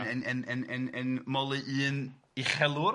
...yn yn yn yn yn yn moli un uchelwr.